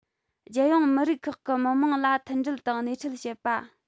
རྒྱལ ཡོངས མི རིགས ཁག གི མི དམངས ལ མཐུན སྒྲིལ དང སྣེ ཁྲིད བྱེད པ